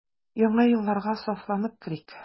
Яңа елларга сафланып керик.